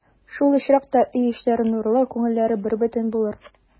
Шул очракта өй эчләре нурлы, күңелләре бербөтен булыр.